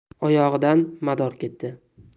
oyog'idan mador ketdi